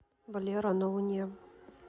валера на луне